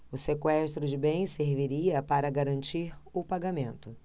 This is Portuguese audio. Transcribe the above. o sequestro de bens serviria para garantir o pagamento